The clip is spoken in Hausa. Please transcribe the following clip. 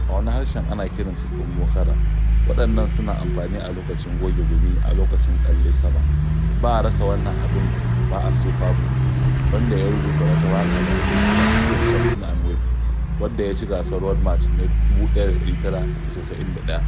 A wani harshen ana kiransu "tsummokara" waɗannan suna amfani a lokacin goge gumi a lokacin "tsalle sama". Ba a rasa wannan abin ba a "Super Blue, wanda ya rubuta wata waƙa da ake kira "Get Something and Waɓe", wadda ya ci gasar Road March na 1991.